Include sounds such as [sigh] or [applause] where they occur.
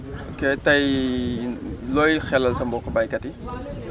ok tey [hesitation] looy xelal sa mbokku béykat yi [crosstalk]